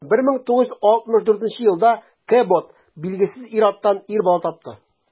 1964 елда кэбот билгесез ир-аттан ир бала тапты.